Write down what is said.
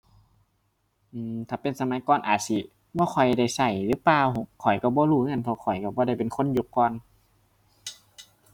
อือ ถ้าเป็นสมัยก่อนอาจสิบ่ค่อยได้ใช้หรือเปล่า ข้อยใช้บ่รู้คือกันเพราะข้อยใช้บ่ได้เป็นคนยุคก่อน